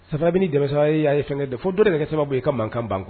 fo dɔ de ka kɛ sababu ye ka mankan ban